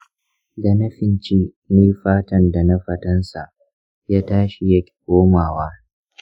dana finci ni fatan dana fatansa ya tashi yaki komawa.